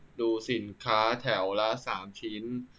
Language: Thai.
ดูสินค้าแถวละสามชิ้น